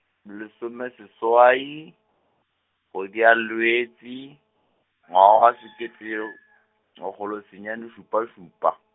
lesomeseswai, kgwedi ya Lwetše, ngwaga wa sekete yo, magolo senyane šupa šupa.